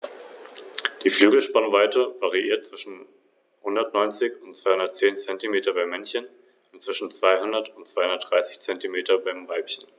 Rom wurde damit zur ‚De-Facto-Vormacht‘ im östlichen Mittelmeerraum.